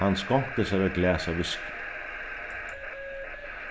hann skonkti sær eitt glas av whisky